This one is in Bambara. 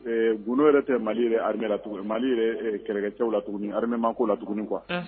Ɛɛ g yɛrɛ tɛ malidi yɛrɛ hala tugun mali kɛlɛcɛ la tugun hamɛ mako la tugun kuwa